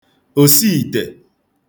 òsiìtè